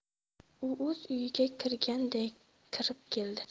u o'z uyiga kirganday kirib keldi